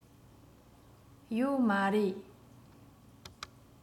ཡོད མ རེད